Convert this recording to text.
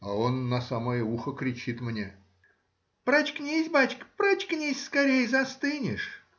А он на самое ухо кричит мне: — Прочкнись, бачка,— прочкнись скорей! застынешь!